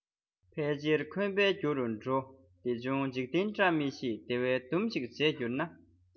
ཕལ ཆེར འཁོན པའི རྒྱུ རུ འགྲོ དེ བྱུང འཇིག རྟེན བཀྲ མི ཤིས དེ བས སྡུམ ཞིག བྱས གྱུར ན